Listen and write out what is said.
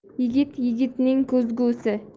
yigit yigitning ko'zgusi